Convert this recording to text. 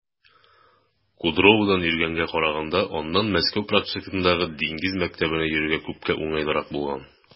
Кудроводан йөргәнгә караганда аннан Мәскәү проспектындагы Диңгез мәктәбенә йөрергә күпкә уңайлырак булган.